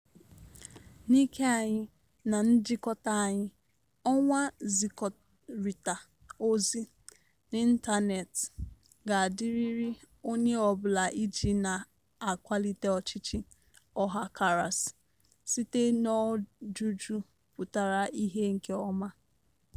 N'ike anyị na njikọta anyị, ọwa nzikọrịta ozi n'ịntaneetị ga-adịịrị onye ọbụla iji na-akwalite ọchịchị ọhakarasị site n'ọjụjụ pụtara ihe nke ọma.